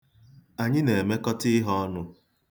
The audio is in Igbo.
Anyị na-emekọta ihe ọnụ.